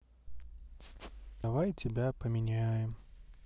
давай тебя поменяем